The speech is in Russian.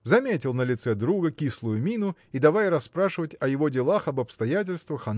– заметил на лице друга кислую мину и давай расспрашивать о его делах об обстоятельствах